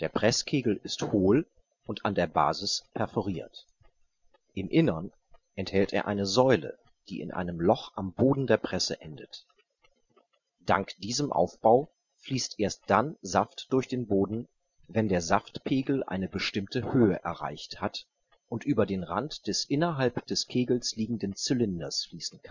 Presskegel ist hohl und an der Basis perforiert. Im Innern enthält er eine Säule, die in einem Loch am Boden der Presse endet. Dank diesem Aufbau fließt erst dann Saft durch den Boden, wenn der Saftpegel eine bestimmte Höhe erreicht hat und über den Rand des innerhalb des Kegels liegenden Zylinder fließen kann